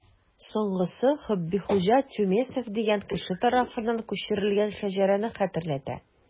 Соңгысы Хөббихуҗа Тюмесев дигән кеше тарафыннан күчерелгән шәҗәрәне хәтерләтә.